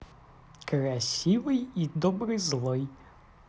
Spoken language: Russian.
красивый и добрый злой